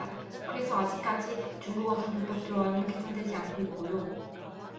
그래서 아직까지 중국어선 불법조업은 개선되지 않고 있고요